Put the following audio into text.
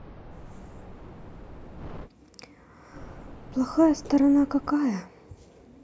плохая сторона какая